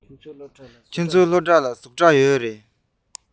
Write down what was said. ཁྱོད རང ཚོའི སློབ གྲྭར བཟོ གྲྭ ཡོད མ རེད པས